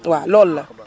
waa loolu la